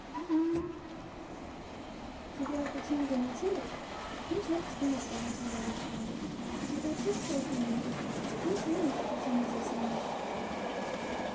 Քվեարկության գնացե՞լ եք։ Ի՞նչ եք զգում անկախության առաջին օրը։ Հետո չե՞ք փոշմանի։ Ի՞նչ է անկախությունը Ձեզ համար։